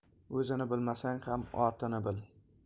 o'zini bilmasang ham otini bil